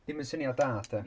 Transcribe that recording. Ddim yn syniad da de.